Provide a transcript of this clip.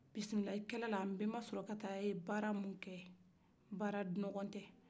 bisimilaye kɛlɛ la an bɛnba surakata ye baara mun kɛ baara nɔgɔn tɛ